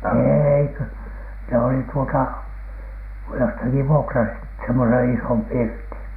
ei kun ne olivat tuota jostakin vuokrasivat semmoisen ison pirtin